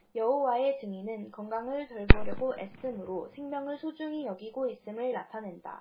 여호와의 증인은 건강을 돌보려고 애씀으로 생명을 소중히 여기고 있음을 나타낸다